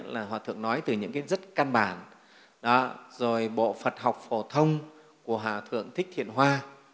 là hòa thượng nói từ những cái rất căn bản rồi bộ phật học phổ thông của hòa thượng thích thiện hoa